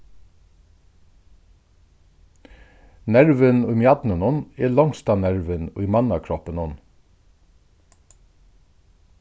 nervin í mjadnunum er longsta nervin í mannakroppinum